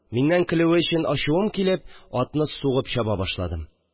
Миннән көлүе өчен ачуым килеп, атны сугып чаба башладым